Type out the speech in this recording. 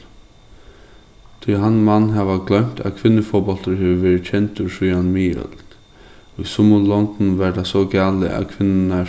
tí hann mann hava gloymt at kvinnufótbóltur hevur verið kendur síðani miðøld í summum londum var tað so galið at kvinnurnar